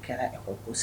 O kɛra